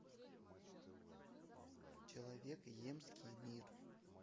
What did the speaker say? человек емский мир